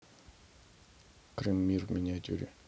крым мир в миниатюре